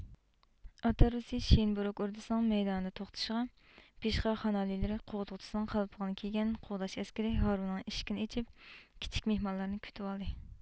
ئات ھارۋىسى شىئىنبوروگ ئوردىسىنىڭ مەيدانىدا توختىشىغا بېشىغا خان ئالىيلىرى قوغدىغۇچىسىنىڭ قالپىغىنى كىيگەن قوغداش ئەسكىرى ھارۋىنىڭ ئىشىكىنى ئېچىپ كىچىك مېھمانلارنى كۈتىۋالدى